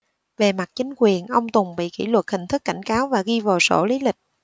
về mặt chính quyền ông tùng bị kỷ luật hình thức cảnh cáo và ghi vào sổ lý lịch